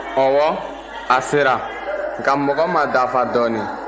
ɔwɔ a sera nka mɔgɔ ma dafa dɔɔnin